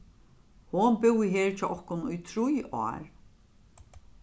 hon búði her hjá okkum í trý ár